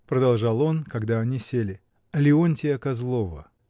— продолжал он, когда они сели. — Леонтия Козлова.